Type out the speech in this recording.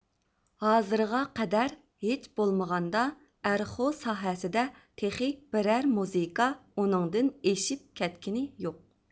ھازىرغا قەدەر ھېچبولمىغاندا ئەرخۇ ساھەسىدە تېخى بىرەر مۇزىكا ئۇنىڭدىن ئېشىپ كەتكىنى يوق